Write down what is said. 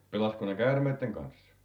pelasiko ne käärmeiden kanssa